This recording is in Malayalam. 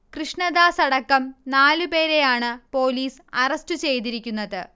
കൃഷ്ണദാസടക്കം നാല് പേരെയാണ് പോലീസ് അറസ്റ്റ് ചെയ്തിരിക്കുന്നത്